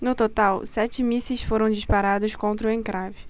no total sete mísseis foram disparados contra o encrave